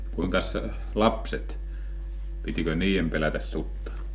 kuinkas lapset pitikö niiden pelätä sutta